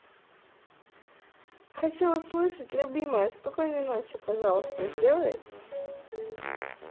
хочу услышать любимая спокойной ночи пожалуйста сделай